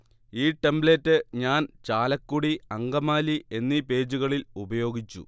ഈ ടെമ്പ്ലേറ്റ് ഞാൻ ചാലക്കുടി അങ്കമാലി എന്നീ പേജുകളിൽ ഉപയോഗിച്ചു